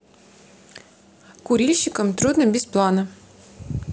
курильщикам трудно без плана